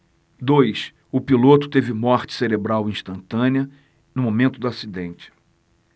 dois o piloto teve morte cerebral instantânea no momento do acidente